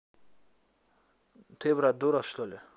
ты брат дура что ли